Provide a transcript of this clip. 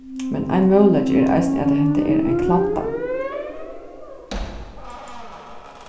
men ein møguleiki er eisini at hetta er ein kladda